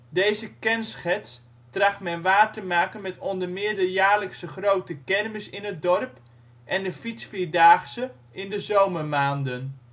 Deze kenschets tracht men waar te maken met onder meer de jaarlijkse grote kermis in het dorp en de fietsvierdaagse in de zomermaanden